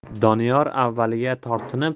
doniyor avvaliga tortinib